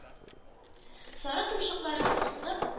Сары томшыкларын сузып,